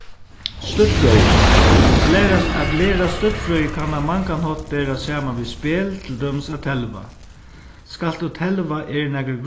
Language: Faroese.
støddfrøði at læra at læra støddfrøði kann á mangan hátt berast saman við spæl til dømis at telva skalt tú telva eru nakrir